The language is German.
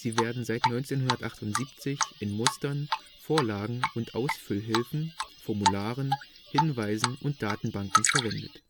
werden seit 1978 in Mustern, Vorlagen und Ausfüllhilfen, Formularen, Hinweisen und Datenbanken verwendet